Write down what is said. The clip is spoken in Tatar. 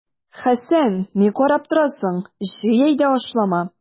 Хәсән, ни карап торасың, җый әйдә ашлама!